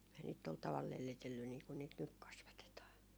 ei niitä tuolla tavalla lellitellyt niin kuin niitä nyt kasvatetaan